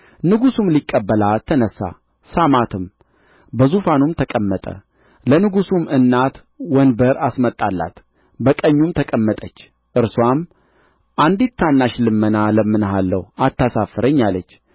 ንጉሡም ሊቀበላት ተነሣ ሳማትም በዙፋኑም ተቀመጠ ለንጉሡም እናት ወንበር አስመጣላት በቀኙም ተቀመጠች እርስዋም አንዲት ታናሽ ልመና እለምንሃለሁ አታሳፍረኝ አለች